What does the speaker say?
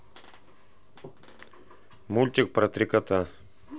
мультик про три кота